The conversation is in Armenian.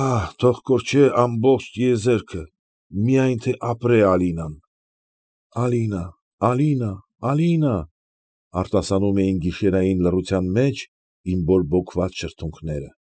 Ահ, թող կորչե ամբողջ տիեզերքը, միայն թե ապրե Ալինան։ ֊ Ալինա, Ալինա, Ալինա, ֊ արտասանում, էին. գիշերային լռության մեջ իմ բորբոքված շրթունքները։